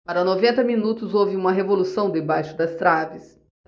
para noventa minutos houve uma revolução debaixo das traves